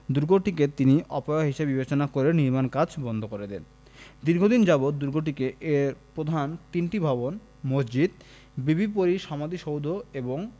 দুর্গটিকে তিনি অপয়া হিসেবে বিবেচনা করে নির্মাণ কাজ বন্ধ করে দেন দীর্ঘদিন যাবৎ দুর্গটিকে এর প্রধান তিনটি ভবন মসজিদ বিবি পরীর সমাধিসৌধ এবং